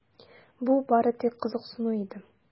Бу бары тик кызыксыну иде.